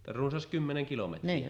että runsas kymmenen kilometriä